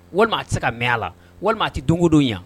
Walima a tɛ se ka mɛ a la walima a tɛ dondon yan